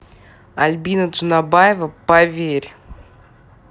альбина джанабаева поверь